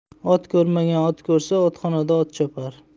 ot ko'rmagan ot ko'rsa otxonada ot chopar